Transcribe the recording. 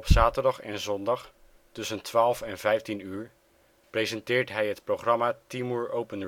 zaterdag en zondag tussen 12:00-15:00 uur presenteert hij het programma Timur Open